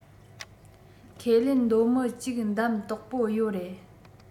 ཁས ལེན འདོད མི གཅིག བདམས དོག པོ ཡོ རེད